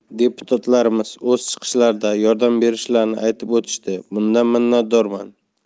deputatlarimiz o'z chiqishlarida yordam berishlarini aytib o'tishdi bundan minnatdorman